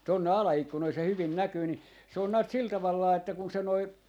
tuonne alaikkunoihin se hyvin näkyy niin se on näet sillä tavalla vain että kun se nuo